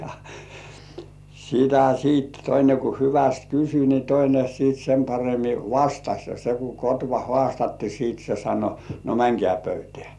ja sitä sitten toinen kun hyvästi kysyi niin toinen sitten sen paremmin vastasi ja se kun kotva haastettiin sitten se sanoi no menkää pöytään